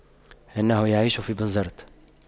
إنه يعيش في بنزرت